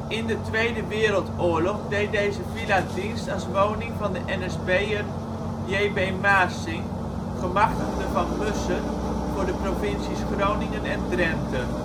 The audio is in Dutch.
In de Tweede Wereldoorlog deed deze villa dienst als woning van de NSB'er Jb. Maarsingh (gemachtigde van Mussert voor de provincies Groningen en Drenthe